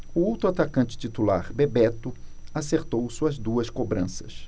o outro atacante titular bebeto acertou suas duas cobranças